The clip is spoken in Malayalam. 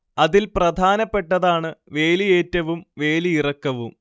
അതിൽ പ്രധാനപ്പെട്ടതാണ് വേലിയേറ്റവും വേലിയിറക്കവും